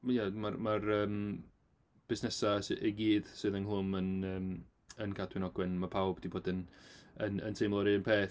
Ia ma' ma'r yym busnesau s- i gyd sydd ynghlwm yn yym yn Cadwyn Ogwen, ma' pawb 'di bod yn yn yn teimlo'r un peth.